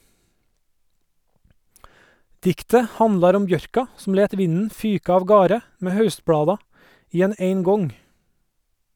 Diktet handlar om bjørka som let vinden fyka avgarde med haustblada i ein eingong.